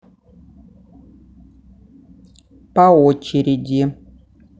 по очереди